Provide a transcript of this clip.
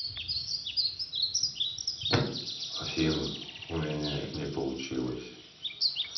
афина у меня не получилось